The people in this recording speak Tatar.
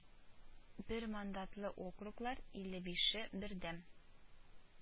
Бер мандатлы округлар, илле бише бердәм